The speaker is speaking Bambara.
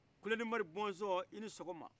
kulenimari bɔnsɔn i ni sɔgɔma